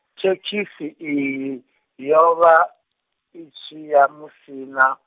thekhisi iyi yo, vha i tshiya Musina.